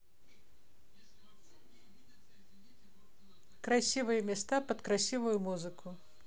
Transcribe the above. красивые места под красивую музыку